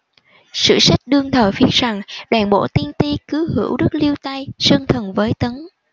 sử sách đương thời viết rằng đoàn bộ tiên ti cứ hữu đất liêu tây xưng thần với tấn